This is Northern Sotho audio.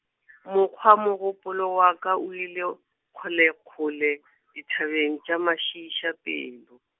mokgwa mogopolo wa ka o ile, kgolekgole , dithabeng tša mašiišapelo.